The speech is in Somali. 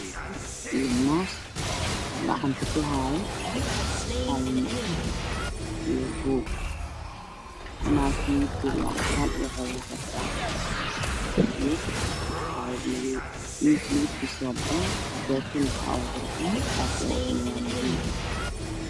Waxaa ii muuqda nin iyo naag fadhiya meel xaflad ah wataan madow abaayad midooday afrika